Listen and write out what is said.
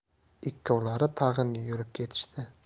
ikkovlari tag'in yurib ketishdi